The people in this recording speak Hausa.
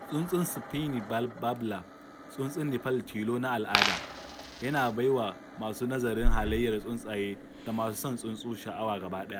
Tsuntsun Spiny Babbler, tsuntsun Nepal tilo na al'ada, yana bai wa masu nazarin halayyar tsuntsaye da masu son tsuntsu sha'awa gabaɗaya.